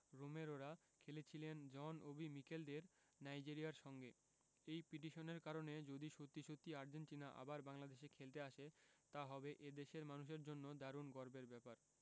রোমেরোরা খেলেছিলেন John Obi মিকেলদের নাইজেরিয়ার সঙ্গে এই পিটিশনের কারণে যদি সত্যি সত্যিই আর্জেন্টিনা আবার বাংলাদেশে খেলতে আসে তা হবে এ দেশের মানুষের জন্য দারুণ গর্বের ব্যাপার